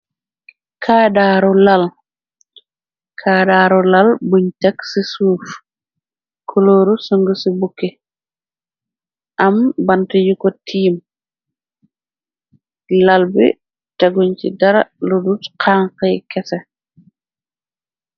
Kaadaaru kaadaaru laal buñ tëg ci suuf kulooru sung ci bukki am banta yu ko tiim laal bi teguñ ci dara ludu xanxey kese.